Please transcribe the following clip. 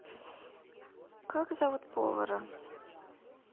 как зовут повара